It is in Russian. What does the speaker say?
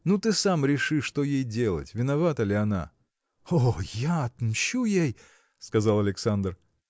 Ну, ты сам реши, что ей делать, виновата ли она? – О, я отомщу ей! – сказал Александр.